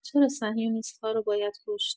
چرا صهیونیست‌ها رو باید کشت؟